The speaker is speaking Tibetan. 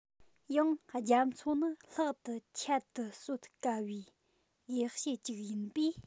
ཡང རྒྱ མཚོ ནི ལྷག ཏུ ཁྱད དུ གསོད དཀའ བའི གེགས བྱེད ཅིག ཡིན པས